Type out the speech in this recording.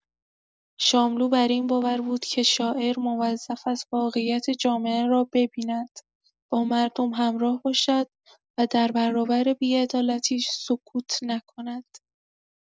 شاملو بر این باور بود که شاعر موظف است واقعیت جامعه را ببیند، با مردم همراه باشد و در برابر بی‌عدالتی سکوت نکند.